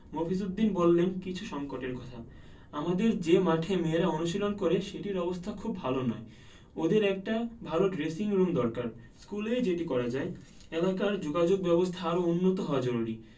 মফিজ উদ্দিন বললেন কিছু সংকটের কথা আমাদের যে মাঠে মেয়েরা অনুশীলন করে সেটির অবস্থা খুব একটা ভালো নয় ওদের একটা ভালো ড্রেসিংরুম দরকার স্কুলেই যেটি করা যায় এলাকার যোগাযোগব্যবস্থা আরও উন্নত হওয়া জরুরি